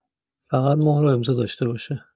فقط مهر و امضا داشته باشه